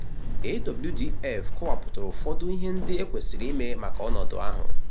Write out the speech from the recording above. AWDF kọwapụtara ụfọdụ ihe ndị ekwesiri ime maka ọnọdụ ahụ.